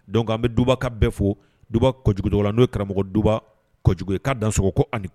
Dɔnkuc an bɛ duba ka bɛɛ fo dugba jugu la no ye karamɔgɔ duba kojugu ka dan sogo ko ani